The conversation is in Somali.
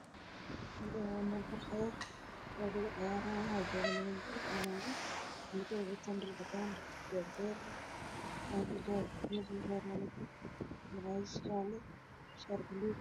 Waa meel bannaan waxaa jooga niman iyo naago way ku ciyaarayaan waana wada laami ah